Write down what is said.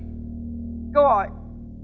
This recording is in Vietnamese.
câu hỏi